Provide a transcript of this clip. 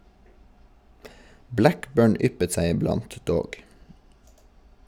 Blackburn yppet seg iblant, dog.